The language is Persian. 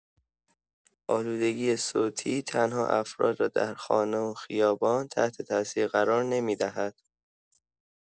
آلودگی صوتی تنها افراد را در خانه و خیابان تحت‌تأثیر قرار نمی‌دهد.